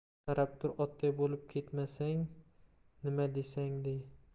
qarab tur otday bo'lib ketmasang nima desang de